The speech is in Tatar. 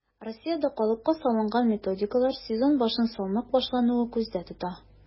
Россиядә калыпка салынган методикалар сезон башын салмак башлауны күздә тота: